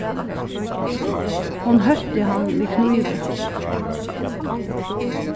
hon hótti hann við knívi